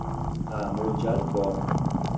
ha mo'ljal bor